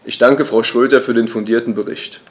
Ich danke Frau Schroedter für den fundierten Bericht.